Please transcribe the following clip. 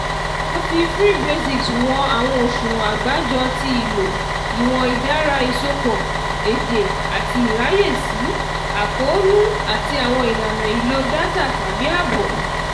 A fi Free Basics wọn àwọn òṣùwọ̀n àgbàjọ ti ìlò, ìwọ̀n ìdára ìsopọ̀, èdè, àti ìráàyèsí, àkóónú, àti àwọn ìlànà ìlò dátà/ààbò.